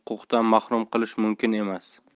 huquqdan mahrum qilishi mumkin emas